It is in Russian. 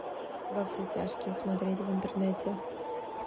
во все тяжкие смотреть в интернете